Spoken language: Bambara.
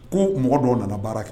Ko mɔgɔ dɔw nana baara kɛ